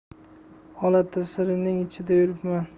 olatasirning ichida yuribman